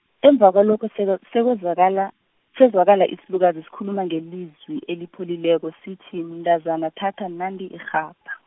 emva kwalokho seke- sekwezwakala, sezwakala isilukazi sikhuluma ngelizwi elipholileko sithi, mntazana thatha nanti irhaba.